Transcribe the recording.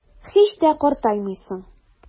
Һич тә картаймыйсың.